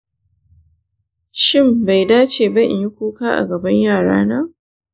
shin bai dace ba in yi kuka a gaban yarana?